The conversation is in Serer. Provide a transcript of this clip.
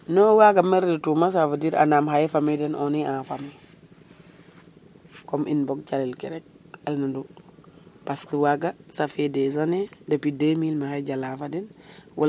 non waga meritu ma ça veut dire andam xaye famille den on est en famille comme in mbog calel ke rek nanu parce que waga ça fait des années depuis 2000 maxey jala fa den